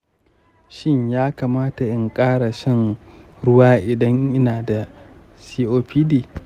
shin ya kamata in ƙara shan ruwa idan ina da copd?